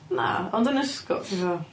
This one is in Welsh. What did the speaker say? Na ond yn ysgol ti fatha...